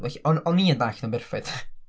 Felly o'n o'n i yn dallt o'n berffaith